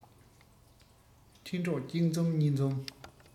འཕྲིན གྲོགས གཅིག འཛོམས གཉིས འཛོམས